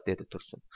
dedi tursun